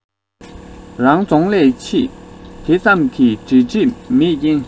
རང རྫོང ལས ཕྱི དེ ཙམ གྱི འབྲེལ འདྲིས མེད རྐྱེན